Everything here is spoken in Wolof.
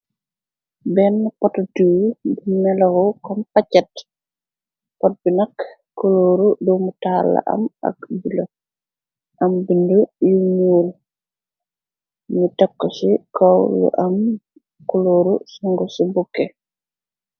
Bena pot diiw bu nelaxu kom paket, pot bu nakk , kulooru dumu talla am ak bulo. Am binda yu nuul , nu tokk ci kaw lu am kulooru sungu ci bukke.